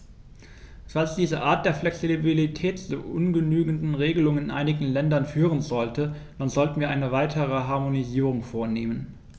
Falls diese Art der Flexibilität zu ungenügenden Regelungen in einigen Ländern führen sollte, dann sollten wir eine weitere Harmonisierung vornehmen.